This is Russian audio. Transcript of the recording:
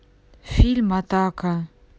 фильм атака